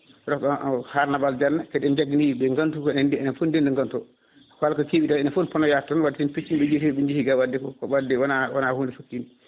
* harnamo Aladianna kadi en jaganiɓe gantu ko enen foof ndendi gantu o kala ko keewi nda enen foof eɗen ponno yaade toon wadde sen peccima ɓe jeeyi to ɓe jeeyi ga wadde wona wona hunde sukkide